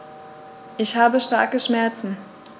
Ich habe starke Schmerzen.